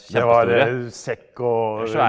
det var sekk og.